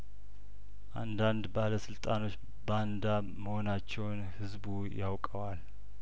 አንዳንድ ባለስልጣኖች ባንዳ መሆናቸውን ህዝቡ ያውቀዋል